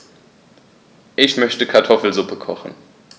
Ich möchte Kartoffelsuppe kochen.